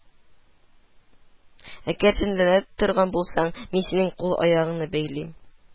Әгәр җенләнә торган булсаң, мин синең кул-аягыңны бәйлим